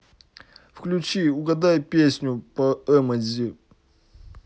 включи угадай песню по эмодзи